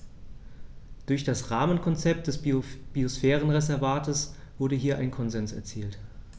Durch das Rahmenkonzept des Biosphärenreservates wurde hier ein Konsens erzielt.